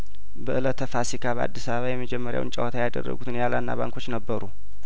በእለተ ፋሲካ በአዲስ አባ የመጀመሪያውን ጨዋታ ያደረጉት ኒያላና ባንኮች ነበሩ